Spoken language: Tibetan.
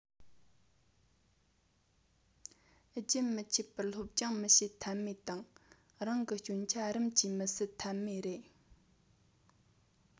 རྒྱུན མི འཆད པར སློབ སྦྱོང མི བྱེད ཐབས མེད དང རང གི སྐྱོན ཆ རིམ གྱིས མི སེལ ཐབས མེད རེད